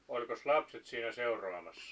olikos lapset siinä seuraamassa